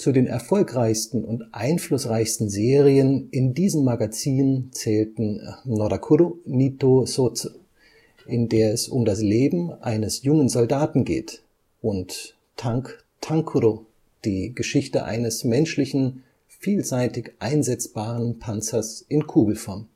den erfolgreichsten und einflussreichsten Serien in diesen Magazinen zählten Norakuro Nitō Sotsu, in der es um das Leben eines jungen Soldaten geht, und Tank Tankuro, die Geschichte eines menschlichen, vielseitig einsetzbaren Panzers in Kugelform